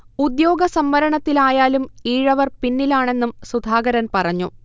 ഉദ്യോഗ സംവരണത്തിലായാലും ഈഴവർ പിന്നിലാണെന്നും സുധാകരൻ പറഞ്ഞു